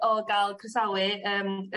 o ga'l croeawu yym